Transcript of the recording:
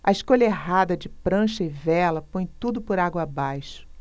a escolha errada de prancha e vela põe tudo por água abaixo